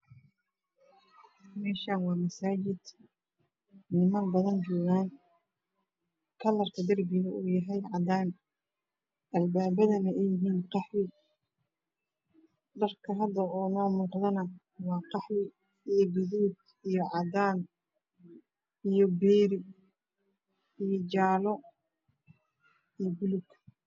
Meshan waa masaajid niman badan joogaan kalarka darbiga uuyhy cadan albabadane ayyhiin qaxwi dharka hadne noomooqdane waa qxwi iyo gudood iyo cadaan iyo diiri iyo jaalo iyo buloog